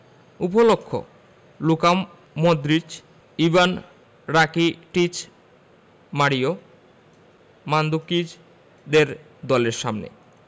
উপলক্ষ Luka Modric Ivan Rakitic Mario মান্দজুকিচদের দলের সামনে